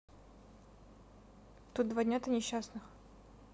тут два дня то несчастных